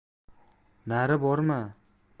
nari borma bo'ri yemasin